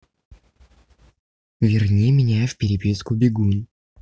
верни меня в переписку бегун